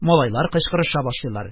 Малайлар кычкырыша башлыйлар.